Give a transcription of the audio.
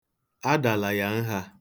Adala ya nha.